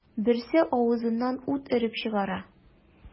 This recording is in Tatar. Берсе авызыннан ут өреп чыгара.